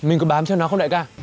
mình có bám theo nó không đại ca